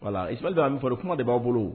Don' minmi fɔ kuma de b'a bolo